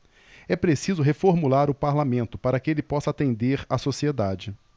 é preciso reformular o parlamento para que ele possa atender a sociedade